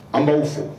An b'aw fo